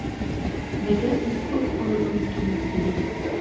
Мәгәр үзе булып калырга мөмкинлек бирә.